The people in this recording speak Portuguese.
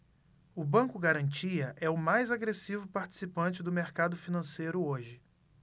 o banco garantia é o mais agressivo participante do mercado financeiro hoje